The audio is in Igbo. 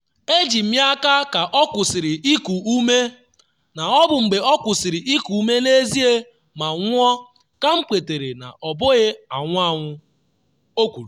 “Eji m ya aka ka ọ kwụsịrị iku ume na ọ bụ mgbe ọ kwụsịrị iku ume n’ezie ma nwụọ ka M kwetara na ọ bụghị anwụ anwụ,” o kwuru.